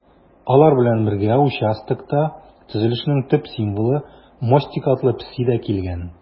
Алар белән бергә участокта төзелешнең төп символы - Мостик атлы песи дә килгән.